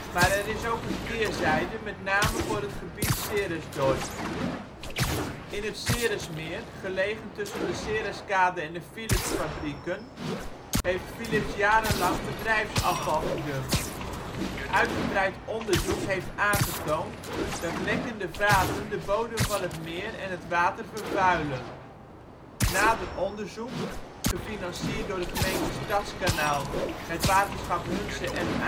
Maar er is ook een keerzijde met name voor het gebied Ceredorp. In het Ceresmeer (gelegen tussen de Cereskade en de Philipsfabrieken) heeft Philips jarenlang bedrijfsafval gedumpt. Uitgebreid onderzoek heeft aangetoond, dat lekkende vaten de bodem van het meer en het water vervuilen. Nader onderzoek (gefinancierd door de gemeente Stadskanaal, het waterschap Hunze en